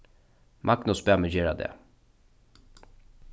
magnus bað meg gera tað